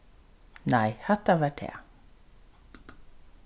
nei hatta var tað